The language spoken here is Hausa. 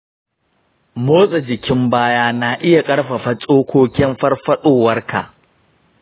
motsa jikin baya na iya ƙarfafa tsokokin farfadowarka.